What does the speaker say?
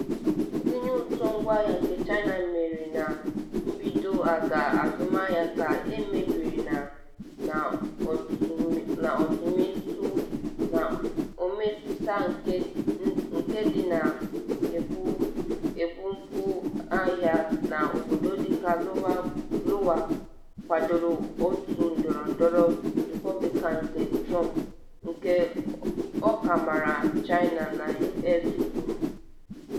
Ntinye ụtụ ngwahịa nke China mere na mbido agha azụmahịa ka emebere ka ọ metụta ndị na ebupu ahịa n’obodo dịka Iowa kwadoro otu ndọrọndọrọ Repọblikan nke Trump, ndị ọkammara China na U.S kwuru.